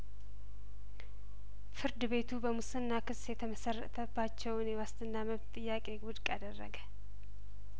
ፍርድ ቤቱ በሙስና ክስ የተመሰረተ ባቸውን የዋስትና መብት ጥያቄ ውድቅ አደረገ